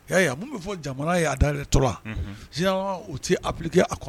Hɛyɔ mun bi fɔ jamana ye a dayɛlɛtɔla unhun diɲɛkɔnɔ o te appliquer a kɔ